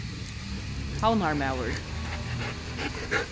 havnarmaður